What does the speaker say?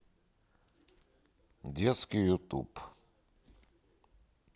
детский ютуб